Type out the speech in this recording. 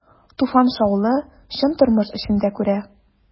Туфан шаулы, чын тормыш эчендә күрә.